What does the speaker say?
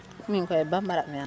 bambara